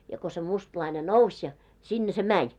ja kun se mustalainen nousi ja sinne se meni